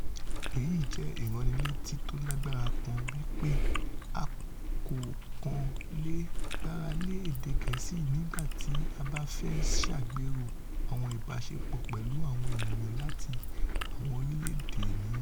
Èyí jẹ́ ìránnilétí tólágbára kan wí pé a kò kàn leè gbáralé èdé Gẹ́ẹ̀si nígbà tí a báfẹ ṣàgbéró àwọn ìbáṣepọ̀ pẹ̀lú àwọn ènìyàn latí àwọn orílẹ̀-èdè mìíràn.